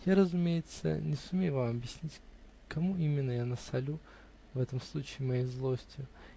Я, разумеется, не сумею вам объяснить, кому именно я насолю в этом случае моей злостью